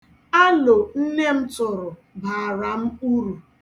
Aro nne m tụrụ baara m uru.